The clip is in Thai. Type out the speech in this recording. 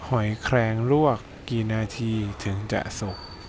หอยแครงลวกกี่นาทีถึงจะสุก